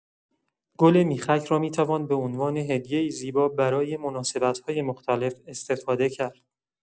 گل میخک را می‌توان به‌عنوان هدیه‌ای زیبا برای مناسبت‌های مختلف استفاده کرد.